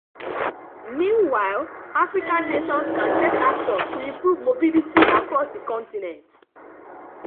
Meanwhile, African nations can take action to improve mobility across the continent.